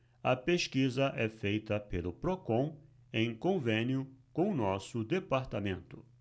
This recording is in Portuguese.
a pesquisa é feita pelo procon em convênio com o diese